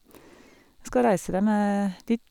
Jeg skal reise der med dit...